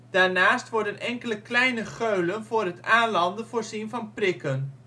Daarnaast worden enkele kleine geulen voor het aanlanden voorzien van prikken